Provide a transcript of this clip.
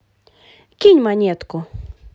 кинь монетку